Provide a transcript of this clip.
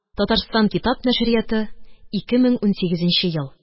Татарстан китап нәшрияты, ике мең унсигезенче ел